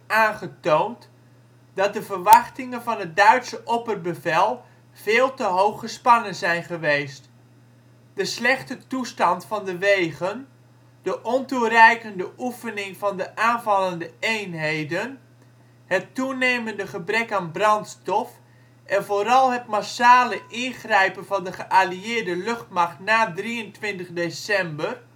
aangetoond dat de verwachtingen van het Duitse opperbevel veel te hoog gespannen zijn geweest. De slechte toestand van de wegen, de ontoereikende oefening van de aanvallende eenheden, het toenemende gebrek aan brandstof en vooral het massale ingrijpen van de geallieerde luchtmacht na 23 december